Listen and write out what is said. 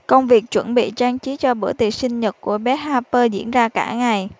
công việc chuẩn bị trang trí cho bữa tiệc sinh nhật của bé harper diễn ra cả ngày